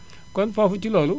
kon foofu ci loolu